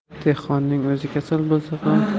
dehqonning o'zi kasal bo'lsa